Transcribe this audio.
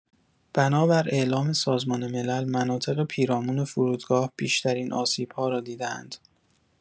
بنابر اعلام سازمان ملل، مناطق پیرامون فرودگاه بیشترین آسیب‌ها را دیده‌اند.